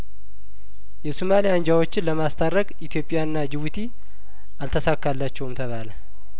የሶማሊያአንጃዎችን ለማስታረቅ ኢትዮጵያና ጅቡቲ አልተሳካላቸውም ተባለ